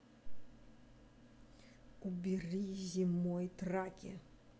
убери зимой траки